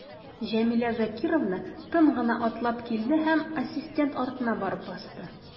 Җәмилә Закировна тын гына атлап килде һәм ассистент артына барып басты.